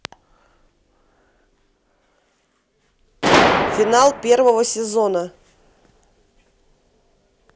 финал первого сезона